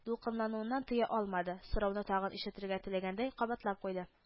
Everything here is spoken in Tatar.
Дулкынлануыннан тыя алмады, сорауны тагын ишетергә теләгәндәй, кабатлап куйды: